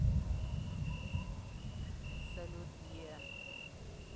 salut е